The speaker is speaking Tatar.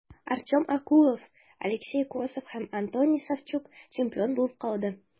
Артем Окулов, Алексей Косов һәм Антоний Савчук чемпион булып калды.